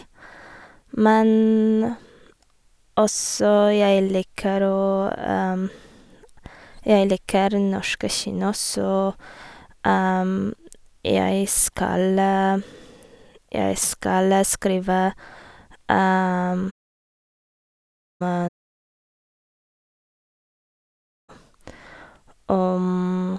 men Og så jeg liker å jeg liker norske kino, så jeg skal jeg skal skrive om...